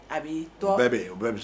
A b'i tɔ u bɛɛ ye o bɛɛ ye